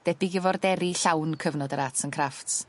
debyg i forderi llawn cyfnod yr arts and crafts.